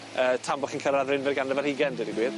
Yy tan bo' chi'n cyrradd yr unfed ganrif ar hugen deud y gwir.